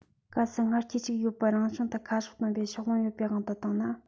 གལ སྲིད སྔར ཁྱི གཅིག ཡོད པར རང བྱོན དུ ཁ ཕྱོགས སྟོན པའི ཕྱོགས ལྷུང ཡོད པའི དབང དུ བཏང ན